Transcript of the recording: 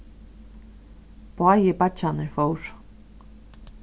báðir beiggjarnir fóru